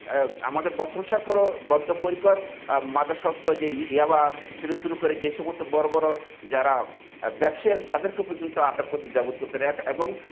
আমাদের বর্তমান সরকারও বদ্ধপরিকর মাদকাসক্ত যে ইয়াবা থেকে শুরু করে যে সমস্ত বড় বড় যারা ব্যবসায়ী আছে তাদেরকে পর্যন্ত আটক করতে দ্বিধা বোধ করছেন না এবং